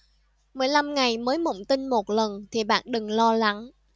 mười lăm ngày mới mộng tinh một lần thì bạn đừng lo lắng